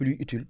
pluie utile